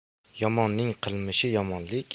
yomonning qilmishi yomonlik